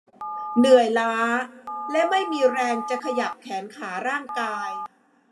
เหนื่อยล้าและไม่มีแรงจะขยับแขนขาร่างกาย